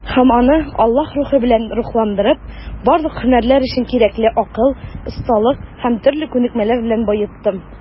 Һәм аны, Аллаһы Рухы белән рухландырып, барлык һөнәрләр өчен кирәкле акыл, осталык һәм төрле күнекмәләр белән баеттым.